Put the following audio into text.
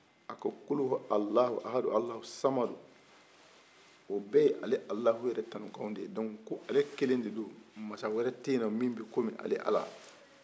a ko kuluhu walahu ahadu alahu samadu o bɛ ye ale alahu tanu kanw de ye ko ale kelen de don masa wɛrɛ min bi n'a fɔ ale ale